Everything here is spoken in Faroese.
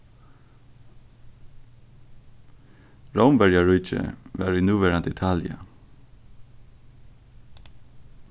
rómverjaríkið var í núverandi italia